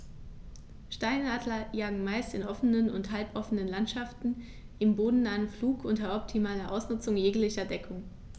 Steinadler jagen meist in offenen oder halboffenen Landschaften im bodennahen Flug unter optimaler Ausnutzung jeglicher Deckung.